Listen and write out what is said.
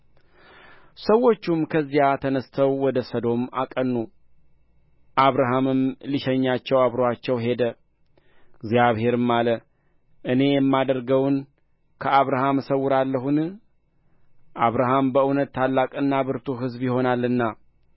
ሰዎቹም ከዚያ ተነሥተው ወደ ሰዶም አቀኑ አብርሃምም ሊሸኛቸው አብሮአቸው ሄደ እግዚአብሔርም አለ እኔ የማደርገውን ከአብርሃም እሰውራለሁን አብርሃም በእውነት ታላቅና ብርቱ ሕዝብ ይሆናልና